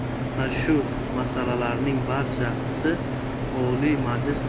ana shu masalalarning barchasi oliy majlis